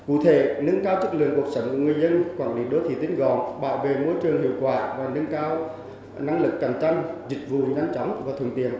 cụ thể nâng cao chất lượng cuộc sống người dân quản lý đô thị tinh gọn bảo vệ môi trường hiệu quả và nâng cao năng lực cạnh tranh dịch vụ nhanh chóng và thuận tiện